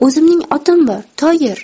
o'zimning otim bor toyir